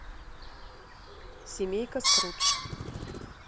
семейка скрудж